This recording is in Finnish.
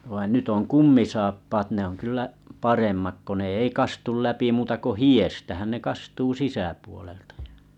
vaan nyt on kumisaappaat ne on kyllä paremmat kun ne ei kastu läpi muuta kuin hiestähän ne kastuu sisäpuolelta ja